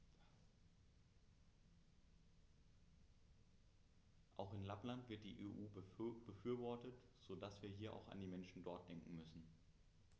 Auch in Lappland wird die EU befürwortet, so dass wir hier auch an die Menschen dort denken müssen.